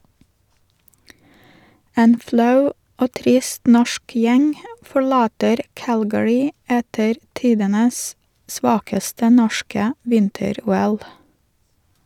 En flau og trist norsk gjeng forlater Calgary etter tidenes svakeste norske vinter-OL.